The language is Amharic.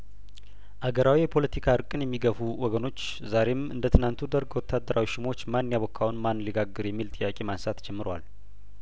አገራዊ የፖለቲካ እርቅን የሚገፉ ወገኖች ዛሬም እንደትናንቱ ደርግ ወታደራዊ ሹሞች ማን ያቦካውን ማን ሊጋግር የሚል ጥያቄ ማንሳት ጀምረዋል